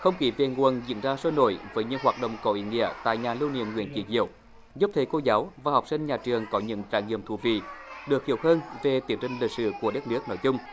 không khí về nguồn diễn ra sôi nổi với những hoạt động có ý nghĩa tại nhà lưu niệm nguyễn chí diệu giúp thầy cô giáo và học sinh nhà trường có những trải nghiệm thú vị được hiểu hơn về tiến trình lịch sử của đất nước nói chung